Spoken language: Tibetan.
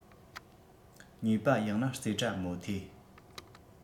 ཉོས པ ཡང ན རྩེ གྲ མོ ཐེ